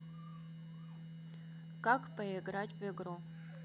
а как поиграть в игру